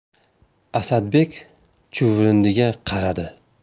asadbek chuvrindiga qaradi